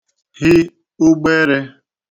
hi ugbērē